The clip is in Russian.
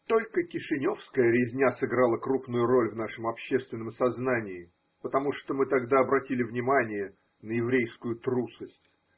Только кишиневская резня сыграла крупную роль в нашем общественном сознании, потому что мы тогда обратили внимание на еврейскую трусость.